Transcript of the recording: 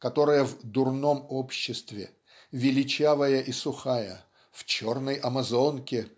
которая в "Дурном обществе" "величавая и сухая в черной амазонке